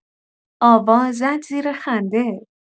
آوا زد زیر خنده.